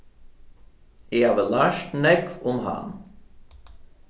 eg havi lært nógv um hann